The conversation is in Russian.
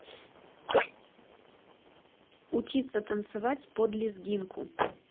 учиться танцевать под лезгинку